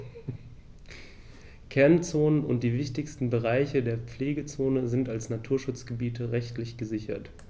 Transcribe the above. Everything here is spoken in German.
Kernzonen und die wichtigsten Bereiche der Pflegezone sind als Naturschutzgebiete rechtlich gesichert.